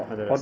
adresse oo